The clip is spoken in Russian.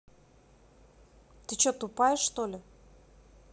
ты че тупая что ли